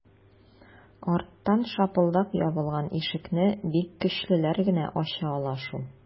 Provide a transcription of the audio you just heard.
Арттан шапылдап ябылган ишекне бик көчлеләр генә ача ала шул...